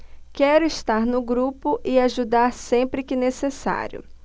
quero estar no grupo e ajudar sempre que necessário